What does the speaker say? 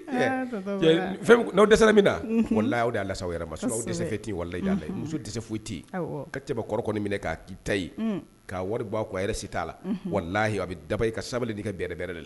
' de min na la lasa yɛrɛ dese tɛ muso dese foyi tɛ ka cɛba kɔrɔ minɛ k'a ki ta ka wari' a yɛrɛ si t'a la walahi a bɛ daba i ka sabali di ka gɛrɛ de la